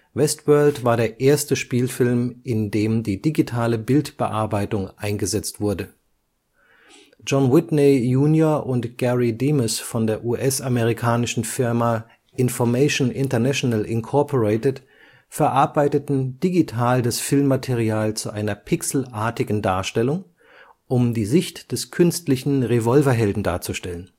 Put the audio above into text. Westworld war der erste Spielfilm, in dem die digitale Bildbearbeitung eingesetzt wurde. John Whitney, Jr. und Gary Demos von der US-amerikanischen Firma Information International, Inc. verarbeiteten digital das Filmmaterial zu einer pixelartigen Darstellung, um die Sicht des künstlichen Revolverhelden darzustellen